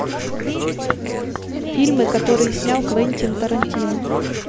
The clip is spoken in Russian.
фильмы которые снял квентин тарантино